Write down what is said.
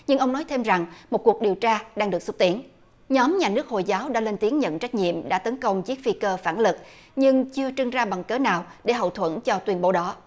nhưng ông nói thêm rằng một cuộc điều tra đang được xúc tiến nhóm nhà nước hồi giáo đã lên tiếng nhận trách nhiệm đã tấn công chiếc phi cơ phản lực nhưng chưa trưng ra bằng cớ nào để hậu thuẫn cho tuyên bố đó